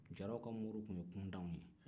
jaraw ka mori tun ye kuntanw ye